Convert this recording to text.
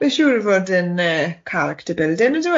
Fi'n siŵr fod yn yy character building ydyw e?